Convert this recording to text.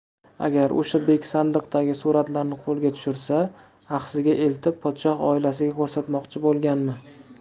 agar o'sha bek sandiqdagi suratlarni qo'lga tushirsa axsiga eltib podshoh oilasiga ko'rsatmoqchi bo'lganmi